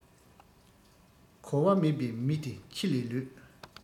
གོ བ མེད པའི མི དེ ཁྱི ལས ལོད